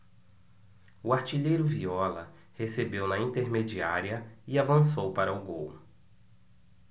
o artilheiro viola recebeu na intermediária e avançou para o gol